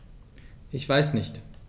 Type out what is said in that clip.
Ich weiß nicht.